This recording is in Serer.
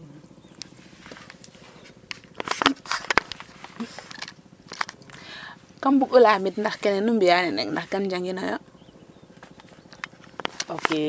kam bug'u lamit ndax kene nu mbi'aa nene kan njaginooyo ?